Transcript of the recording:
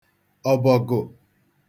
ọ̀bọ̀gụ̀